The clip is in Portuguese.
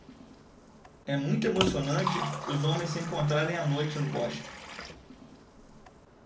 é muito emocionante os homens se encontrarem à noite no bosque